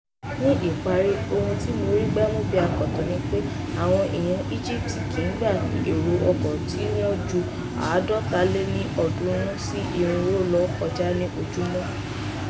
Ní ìparí, ohun tí mo rí gbámú bí àkótán ni pé àwọn èèyàn Egypt kìí gba kí èrò ọkọ̀ tí wọ́n ju 350-400 lọ kọjá ní ojúmọ́.